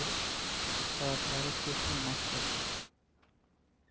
elektr o'chish holatlari keskin oshdi